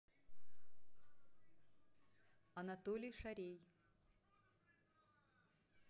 анатолий шарей